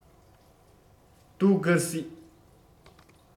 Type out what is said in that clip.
གདུགས དཀར སྐྱིད